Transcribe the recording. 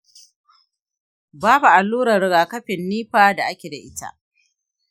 babu allurar rigakafin nipa da ake da ita.